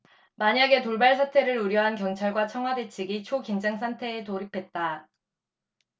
만약의 돌발 사태를 우려한 경찰과 청와대 측이 초긴장상태에 돌입했다